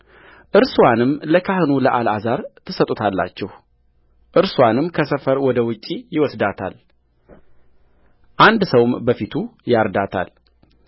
እርስዋንም ለካህኑ ለአልዓዛር ትሰጣላችሁ እርስዋንም ከሰፈር ወደ ውጭ ይወስዳታል አንድ ሰውም በፊቱ ያርዳታል